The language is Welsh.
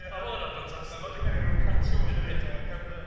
O ma' hwnna'n ffantastig. Ma' fel cymeriad ryw cartŵn dydi t'mo' car- yy